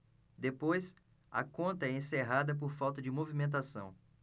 depois a conta é encerrada por falta de movimentação